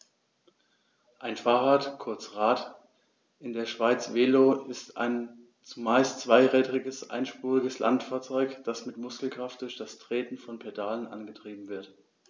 Ein Fahrrad, kurz Rad, in der Schweiz Velo, ist ein zumeist zweirädriges einspuriges Landfahrzeug, das mit Muskelkraft durch das Treten von Pedalen angetrieben wird.